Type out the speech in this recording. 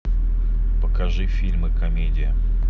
покажи фильмы комедия